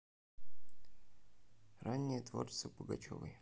раннее творчество пугачевой